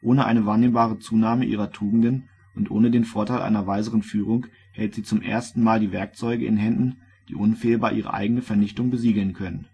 Ohne eine wahrnehmbare Zunahme ihrer Tugenden und ohne den Vorteil einer weiseren Führung hält sie zum ersten Mal die Werkzeuge in Händen, die unfehlbar ihre eigene Vernichtung besiegeln können